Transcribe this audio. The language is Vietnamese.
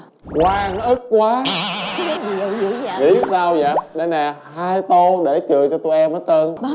oan ức quá nghĩ sao dợ đây nè hai tô để chừa cho tụi em hết trơn